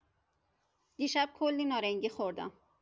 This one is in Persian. دیشب کلی نارنگی خوردم.